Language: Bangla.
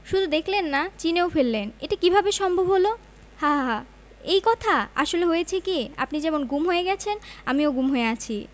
শুধু দেখলেন না চিনেও ফেললেন এটা কীভাবে সম্ভব হলো হা হা হা এই কথা আসলে হয়েছে কি আপনি যেমন গুম হয়ে গেছেন আমিও গুম হয়ে আছি